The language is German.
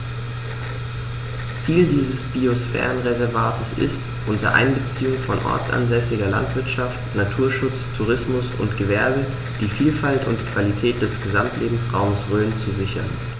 Ziel dieses Biosphärenreservates ist, unter Einbeziehung von ortsansässiger Landwirtschaft, Naturschutz, Tourismus und Gewerbe die Vielfalt und die Qualität des Gesamtlebensraumes Rhön zu sichern.